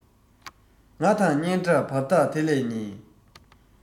ང དང སྙན གྲགས བར ཐག དེ ལས ཉེ